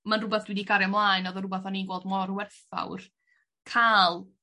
Ma'n rhywbath dwi 'di gario ymlaen odd yn rwbath o'n i'n gweld mor werthfawr ca'l